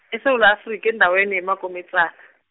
eSewula Afrika endaweni yeMagomedzana.